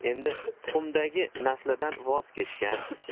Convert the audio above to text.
u endi tuxumdagi naslidan voz kechgan